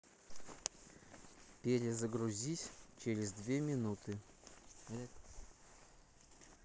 перезагрузись через две минуты